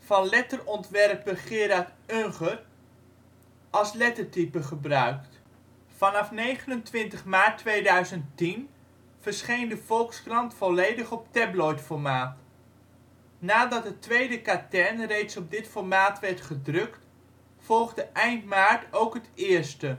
van letterontwerper Gerard Unger als lettertype gebruikt. Vanaf 29 maart 2010 verscheen de Volkskrant volledig op tabloidformaat. Nadat het tweede katern reeds op dit formaat werd gedrukt, volgde eind maart ook het eerste.